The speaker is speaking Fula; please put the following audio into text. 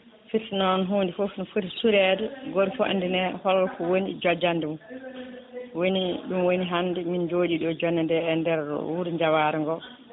fiirti noon hunde foof ne footi suurede goto foof andine holko woni jojande mum woni ɗum woni hande min jooɗiɗo jondede e nder wuuro Diawara ngo